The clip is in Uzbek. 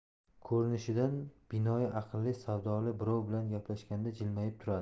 ko'rinishidan binoyi aqlli savodli birov bilan gaplashganda jilmayib turadi